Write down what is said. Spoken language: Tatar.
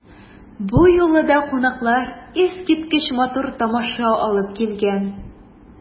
Бу юлы да кунаклар искиткеч матур тамаша алып килгән.